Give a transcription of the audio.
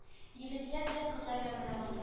Егетләр дә кызлар янына баса